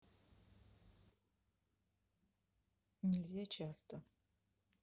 нельзя часто